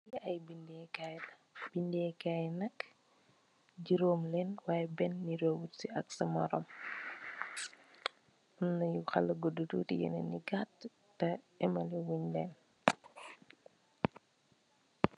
Ay bindekaay, bindekaay yi nak juroom len, way ben nedohut si ak sa morom, amna yu xala gudu tuuti, yenen yi gatt, te ema leelunj len